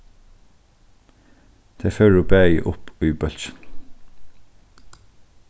tey fóru bæði upp í bólkin